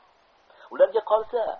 ularga qolsa